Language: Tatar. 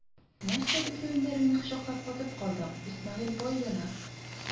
Нәрсә бетле мендәреңне кочаклап катып калдың, Исмәгыйль бай яна!